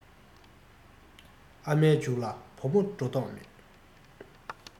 ཨ མའི མཇུག ལ བུ མོ འགྲོ མདོག མེད